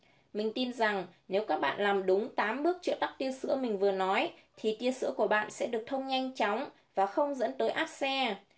mình tin rằng nếu các bạn làm đúng bước chữa tắc tia sữa mình vừa nói thì tia sữa của bạn sẽ được thông nhanh chóng và không dẫn tới áp xe